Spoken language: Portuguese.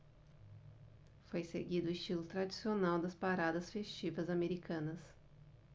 foi seguido o estilo tradicional das paradas festivas americanas